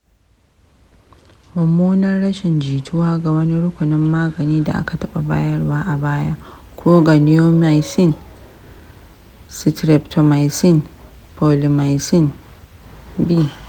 mummunar rashin jituwa ga wani rukunin magani da aka taɓa bayarwa a baya ko ga neomycin/streptomycin/polymyxin b.